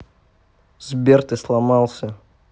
сбер ты сломался